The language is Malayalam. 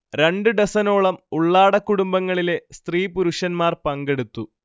രണ്ടു ഡസനോളം ഉള്ളാട കുടുംബങ്ങളിലെ സ്ത്രീ-പുരുഷന്മാർ പങ്കെടുത്തു